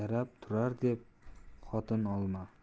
yarab turar deb xotin olma